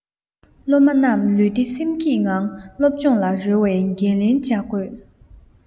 སློབ མ རྣམས ལུས བདེ སེམས སྐྱིད ངང སློབ སྦྱོང ལ རོལ བའི འགན ལེན བྱ དགོས